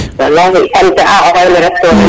walahi sant a oxene ref tona